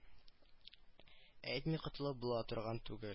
Әйтми котылып була торган түгел